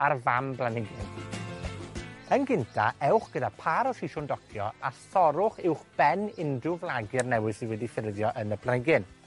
a'r fam blanhigyn. Yn gynta, ewch gyda pâr o siswrn docio, a thorrwch uwch ben unryw flagur newydd sy' wedi ffurfio yn y planigyn.